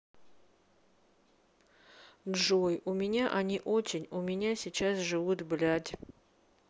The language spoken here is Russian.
джой у меня они очень у меня сейчас живут блядь